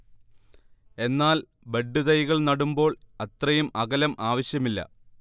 എന്നാൽ ബഡ്ഡ് തൈകൾ നടുമ്പോൾ അത്രയും അകലം ആവശ്യമില്ല